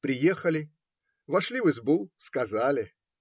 Приехали, вошли в избу, сказали.